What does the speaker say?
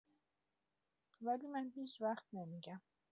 ولی من هیچ‌وقت نمی‌گم.